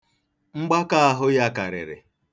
Mgbaka ahụ ya karịrị.